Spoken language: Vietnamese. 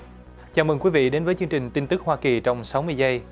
chào mừng quý vị đến với chương trình tin tức hoa kỳ trong sáu mươi giây